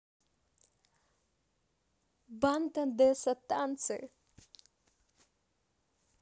банд одесса танцы